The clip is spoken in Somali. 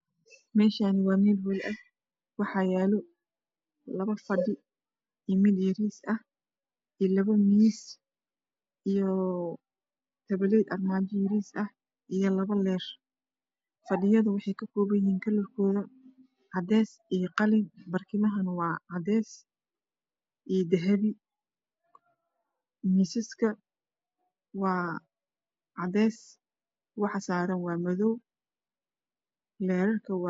Meshani waa meel hool ah waxa yalo labo fadhi iyo mid yariis ah iyo labo miis iyo talabed armajo yariis ah iyo labo leeyr fadhiyada waxay ka koban yihin kalarkoda cadees iyo qalin barkiimaha na waa cadees iyo dahabi misaska waa cades waxa saran waa madow leyrarka waa